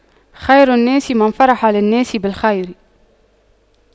خير الناس من فرح للناس بالخير